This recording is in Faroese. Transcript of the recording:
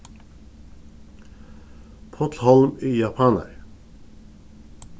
páll holm er japanari